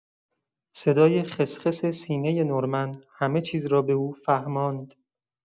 صدای خس‌خس سینه نورمن همه‌چیز را به او فهماند.